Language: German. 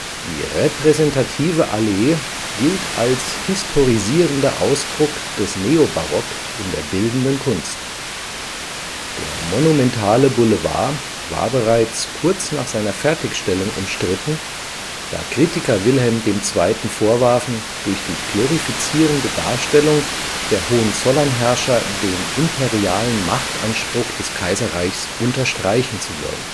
Die repräsentative Allee gilt als historisierender Ausdruck des Neobarock in der Bildenden Kunst. Der monumentale Boulevard war bereits kurz nach seiner Fertigstellung umstritten, da Kritiker Wilhelm II. vorwarfen, durch die glorifizierende Darstellung der Hohenzollernherrscher den imperialen Machtanspruch des Kaiserreichs unterstreichen zu wollen